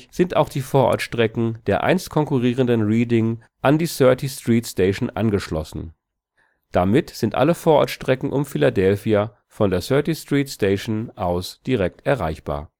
sind auch die Vorortstrecken der einst konkurrierenden Reading an die 30th Street Station angeschlossen. Damit sind alle Vorortstrecken um Philadelphia von der 30th Street Station aus direkt erreichbar